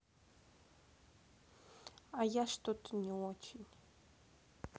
а я что то не очень